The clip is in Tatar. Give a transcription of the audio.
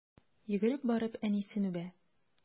Йөгереп барып әнисен үбә.